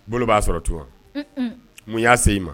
Bolo b'a sɔrɔ tuma mun y'a se i ma